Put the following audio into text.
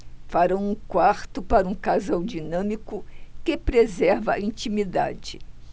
farão um quarto para um casal dinâmico que preserva a intimidade